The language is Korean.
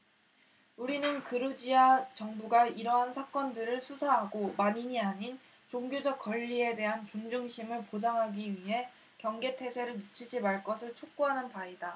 우리는 그루지야 정부가 이러한 사건들을 수사하고 만인이 지닌 종교적 권리에 대한 존중심을 보장하기 위해 경계 태세를 늦추지 말 것을 촉구하는 바이다